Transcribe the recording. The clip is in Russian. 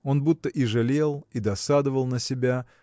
Он будто и жалел и досадовал на себя